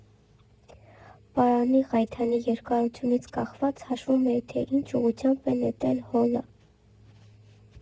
Պարանի՝ ղայթանի երկարությունից կախված՝ հաշվում էին, թե ինչ ուղղությամբ նետել հոլը։